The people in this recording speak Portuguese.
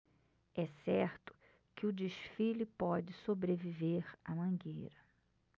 é certo que o desfile pode sobreviver à mangueira